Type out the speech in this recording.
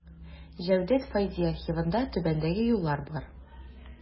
Җәүдәт Фәйзи архивында түбәндәге юллар бар.